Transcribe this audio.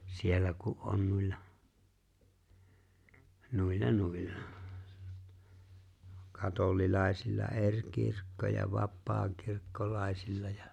siellä kun on noilla noilla noilla katolilaisilla eri kirkko ja vapaakirkkolaisilla ja